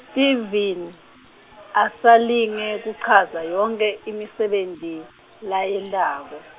Stevens asalinge kuchaza yonkhe imisebenti layentako.